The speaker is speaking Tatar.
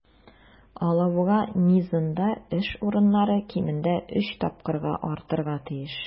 "алабуга" мизында эш урыннары кимендә өч тапкырга артарга тиеш.